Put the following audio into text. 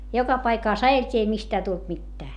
joka paikassa ajeltiin ei mistään tullut mitään